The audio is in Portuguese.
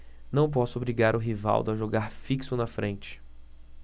não posso obrigar o rivaldo a jogar fixo na frente